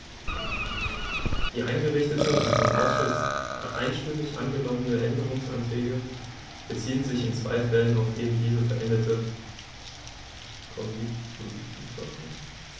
Die eingereichten und vom Ausschuss einstimmig angenommenen Änderungsanträge beziehen sich in zwei Fällen auf eben dieses veränderte Komitologieverfahren.